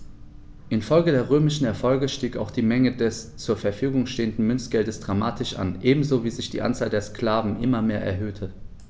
Infolge der römischen Erfolge stieg auch die Menge des zur Verfügung stehenden Münzgeldes dramatisch an, ebenso wie sich die Anzahl der Sklaven immer mehr erhöhte.